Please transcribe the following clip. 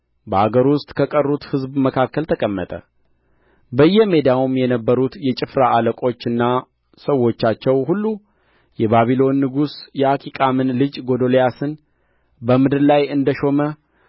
በአገሩ ውስጥ በቀሩት ሕዝብ መካከል ተቀመጠ በየሜዳውም የነበሩት የጭፍራ አለቆችና ሰዎቻቸው ሁሉ የባቢሎን ንጉሥ የአኪቃምን ልጅ ጎዶልያስን በምድር ላይ እንደ ሾመ